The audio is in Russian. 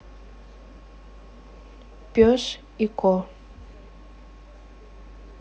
пес и ко